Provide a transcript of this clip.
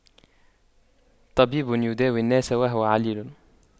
طبيب يداوي الناس وهو عليل